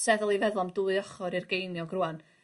tueddol i feddwl am dwy ochor i'r geiniog rŵan.